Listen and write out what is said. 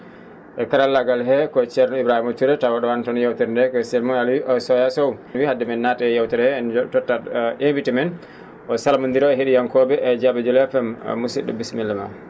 e karallaagal hee ko ceerno ibrahima Touré tawa ?owanta on yeewtere nde ko * Aliou Sewa Sow wii hade men naatde e yeewtere hee en tottat invité men o salmonndira e he?iyankoo?e JA?Y JULA FM musid?o bisimilla ma